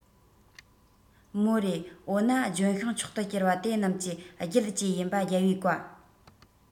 མོ རེ འོ ན ལྗོན ཤིང མཆོག ཏུ འགྱུར པ དེ རྣམས ཀྱི རྒྱུད བཅས ཡིན པ རྒྱལ བའི བཀའ